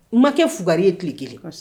U ma kɛ fugari ye tile 1 kɔs